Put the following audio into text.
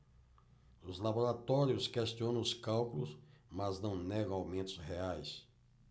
os laboratórios questionam os cálculos mas não negam aumentos reais